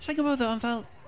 Sa i'n gwbod though ond fel...